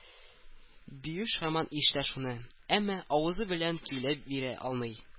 Биюш һаман ишетә шуны, әмма авызы белән көйләп бирә алмый.